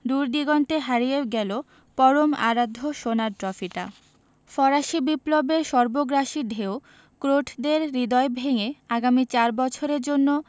দূরদিগন্তে হারিয়ে গেল পরম আরাধ্য সোনার ট্রফিটা ফরাসি বিপ্লবের সর্বগ্রাসী ঢেউ ক্রোটদের হৃদয় ভেঙে আগামী চার বছরের জন্য